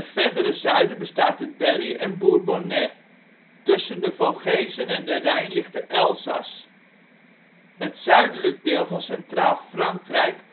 verdere zuiden bestaat uit Berry en Bourbonnais. Tussen de Vogezen en de Rijn ligt de Elzas. Zuid-Centraal-Frankrijk